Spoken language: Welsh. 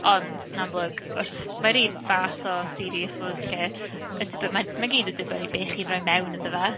Ond yn amlwg wrth... mae'r un fath o theori I suppose lle yn dibyn-... mae mae i gyd yn dibynnu be chi'n rhoi mewn iddo fe.